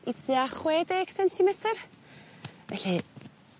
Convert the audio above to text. i tua chwedeg sentimeter felly